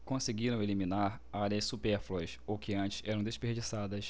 conseguiram eliminar áreas supérfluas ou que antes eram desperdiçadas